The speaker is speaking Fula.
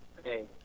eeyi